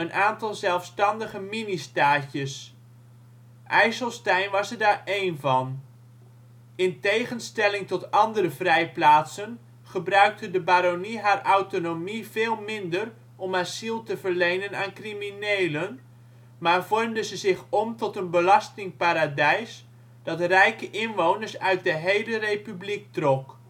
aantal zelfstandige ministaatjes. IJsselstein was er daar één van. In tegenstelling tot andere vrijplaatsen gebruikte de baronie haar autonomie veel minder om asiel te verlenen aan criminelen, maar vormde ze zich om tot een belastingparadijs dat rijke inwoners uit de hele Republiek trok